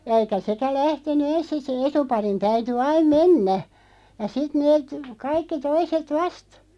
ja eikä sekään lähtenyt ensin - sen etuparin täytyi aina mennä ja sitten ne kaikki toiset vasta